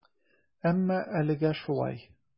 Әмма әлегә шулай.